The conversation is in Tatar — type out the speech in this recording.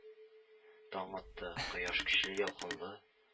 Таң атты, Кояш көчле, ялкынлы,